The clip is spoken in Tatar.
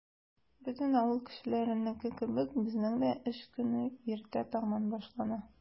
Бөтен авыл кешеләренеке кебек, безнең дә эш көне иртә таңнан башлана.